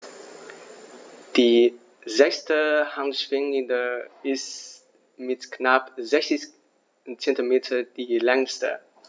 Die sechste Handschwinge ist mit knapp 60 cm die längste.